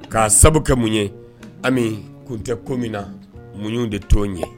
K'a sabu kɛ mun ye Ami kun tɛ ko min na muɲun de t'o ɲɛ